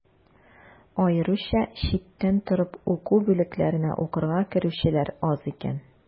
Аеруча читтән торып уку бүлекләренә укырга керүчеләр аз икән.